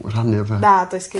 ...w- rhannu a petha. Na does...